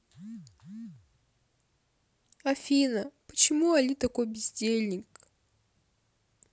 афина почему али такой бездельник